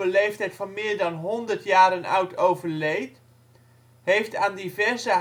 leeftijd van meer dan honderd jaren oud overleed, heeft aan diverse